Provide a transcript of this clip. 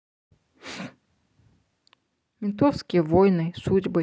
ментовские войны судьбы